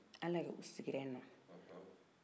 ala y'a ku sigira ye